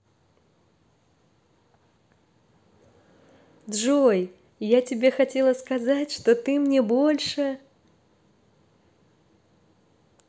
джой я тебе хотела сказать что ты мне больше